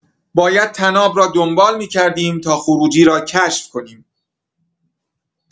باید طناب را دنبال می‌کردیم تا خروجی را کشف کنیم.